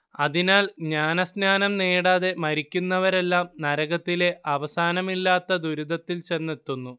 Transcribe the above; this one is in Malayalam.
അതിനാൽ ജ്ഞാനസ്നാനം നേടാതെ മരിക്കുന്നവരെല്ലാം നരകത്തിലെ അവസാനമില്ലാത്ത ദുരിതത്തിൽ ചെന്നെത്തുന്നു